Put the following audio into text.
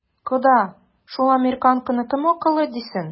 Кода, шул американканы кем акыллы дисен?